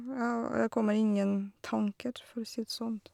Ja, jeg kommer ingen tanker, for å si det sånn.